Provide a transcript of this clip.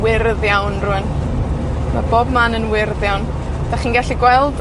wyrdd iawn, rŵan. Ma' bob man yn wyrdd iawn. 'Dach chi'n gallu gweld?